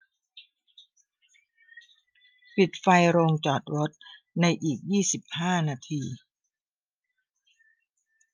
ปิดไฟโรงจอดรถในอีกยี่สิบห้านาที